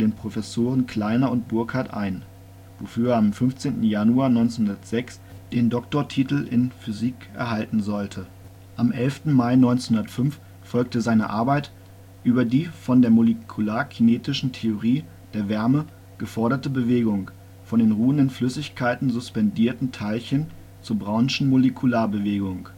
Professoren Kleiner und Burkhardt ein, wofür er am 15. Januar 1906 den Doktortitel in Physik erhalten sollte. Am 11. Mai 1905 folgte seine Arbeit Über die von der molekularkinetischen Theorie der Wärme geforderte Bewegung von in ruhenden Flüssigkeiten suspendierten Teilchen zur brownschen Molekularbewegung